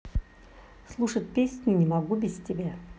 слушать песню не могу без тебя